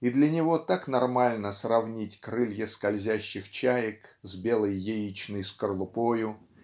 и для него так нормально сравнить крылья скользящих чаек с белой яичной скорлупою